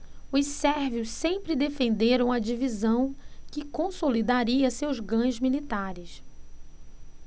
os sérvios sempre defenderam a divisão que consolidaria seus ganhos militares